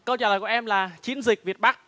câu trả lời của em là chiến dịch việt bắc